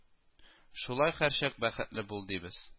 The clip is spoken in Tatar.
Шулай һәрчак бәхетле бул, дибез